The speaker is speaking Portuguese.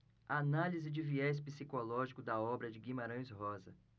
análise de viés psicológico da obra de guimarães rosa